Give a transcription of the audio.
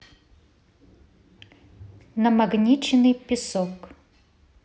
намагниченный песок